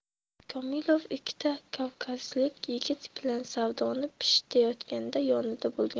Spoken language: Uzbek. komilov ikkita kavkazlik yigit bilan savdoni pishitayotganda yonida bo'lgan